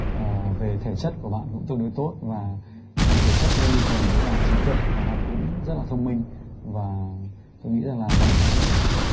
ờ về thể chất của bạn cũng tương đối tốt và thể chất luôn đi kèm với cả trí tuệ và bạn cũng rất là thông minh và tôi nghĩ rằng là bạn ấy